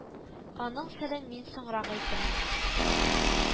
Аның серен мин соңрак әйтермен